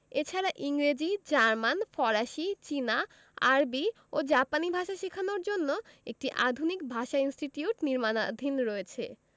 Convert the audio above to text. এছাড়া ইংরেজি জার্মান ফরাসি চীনা আরবি ও জাপানি ভাষা শেখানোর জন্য একটি আধুনিক ভাষা ইনস্টিটিউট নির্মাণাধীন রয়েছে